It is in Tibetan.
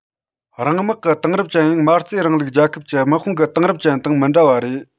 རང དམག གི དེང རབས ཅན ཡང མ རྩའི རིང ལུགས རྒྱལ ཁབ ཀྱི དམག དཔུང གི དེང རབས ཅན དང མི འདྲ བ རེད